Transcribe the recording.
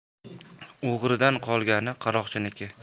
o'g'ridan qolgani qaroqchiniki